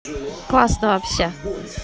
классно вообще